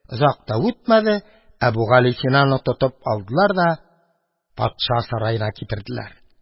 Озак та үтмәде, Әбүгалисинаны тотып алдылар да патша сараена китерделәр.